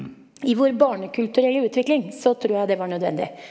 i vår barnekulturelle utvikling så tror jeg det var nødvendig.